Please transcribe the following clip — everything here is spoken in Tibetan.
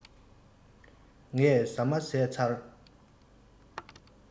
ངས ཟ མ བཟས ཚར